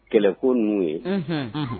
Kɛlɛkun n'u ye